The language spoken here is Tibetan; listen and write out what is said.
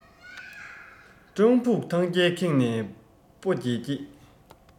སྤྲང ཕྲུག ཐང རྒྱལ ཁེངས ནས སྦོ འགྱེད འགྱེད